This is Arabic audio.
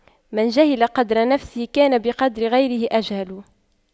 من جهل قدر نفسه كان بقدر غيره أجهل